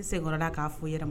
I senkɔrɔla ye ka fo yɛrɛ ma.